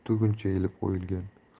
tuguncha ilib qo'yilgan